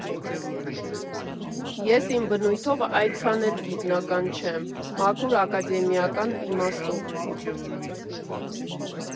Ես իմ բնույթով այդքան էլ գիտնական չեմ՝ մաքուր ակադեմիական իմաստով։